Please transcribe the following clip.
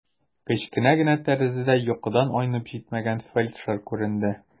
Кечкенә генә тәрәзәдә йокыдан айнып җитмәгән фельдшер күренде.